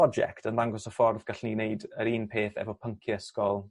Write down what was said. project yn ddangos y ffordd gallen ni wneud yr un peth efo pyncie ysgol